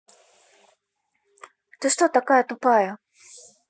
ты что такая тупая